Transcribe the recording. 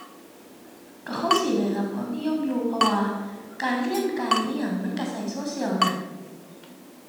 ก็คงสิได้รับความนิยมอยู่ เพราะว่าการเรียน การอิหยังมันก็ก็โซเชียลแหม⁠